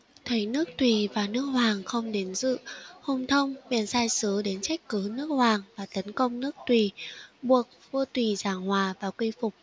thấy nước tùy và nước hoàng không đến dự hùng thông bèn sai sứ đến trách cứ nước hoàng và tấn công nước tùy buộc vua tùy giảng hòa và quy phục